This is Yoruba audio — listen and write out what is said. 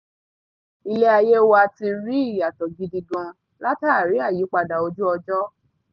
Ilé ayé wa ti rí ìyàtọ̀ gidi gan látààrí àyípadà ojú-ọjọ́."